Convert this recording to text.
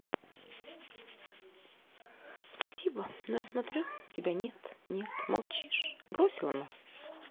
спасибо но я смотрю тебя нет нет молчишь бросила нас